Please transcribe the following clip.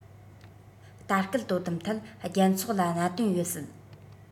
ལྟ སྐུལ དོ དམ ཐད རྒྱལ ཚོགས ལ གནད དོན ཡོད སྲིད